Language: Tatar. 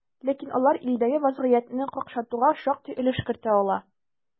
Ләкин алар илдәге вазгыятьне какшатуга шактый өлеш кертә ала.